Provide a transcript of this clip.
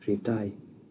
Rhif dau.